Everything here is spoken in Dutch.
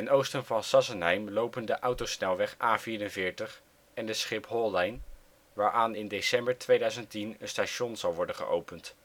oosten van Sassenheim lopen de Autosnelweg A44 en de Schiphollijn, waaraan in december 2010 een station zal worden geopend